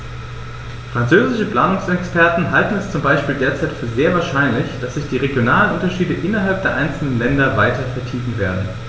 Französische Planungsexperten halten es zum Beispiel derzeit für sehr wahrscheinlich, dass sich die regionalen Unterschiede innerhalb der einzelnen Länder weiter vertiefen werden.